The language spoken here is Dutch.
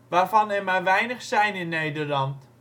waarvan er maar weinig zijn in Nederland